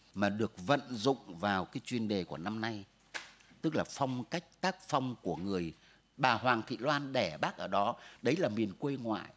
mà được vận dụng vào cái chuyên đề của năm nay tức là phong cách tác phong của người bà hoàng thị loan đẻ bác ở đó đấy là miền quê ngoại